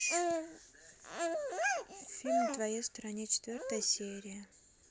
фильм на твоей стороне четвертая серия